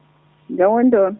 jam woni toon